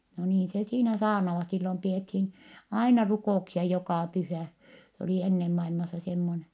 no niin se siinä saarnaavat silloin pidettiin aina rukouksia joka pyhä se oli ennen maailmassa semmoinen